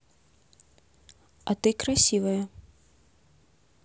а ты красивая